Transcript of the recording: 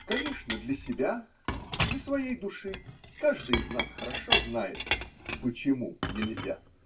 Конечно, для себя, для своей души, каждый из нас хорошо знает, почему нельзя.